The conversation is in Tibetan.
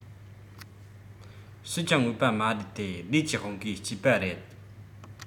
སུས ཀྱང བོས པ མ རེད དེ ལས ཀྱི དབང གིས སྐྱེས པ རེད